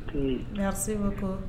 Se bɛ ko